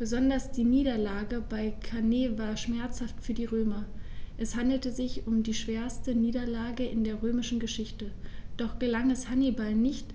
Besonders die Niederlage bei Cannae war schmerzhaft für die Römer: Es handelte sich um die schwerste Niederlage in der römischen Geschichte, doch gelang es Hannibal nicht,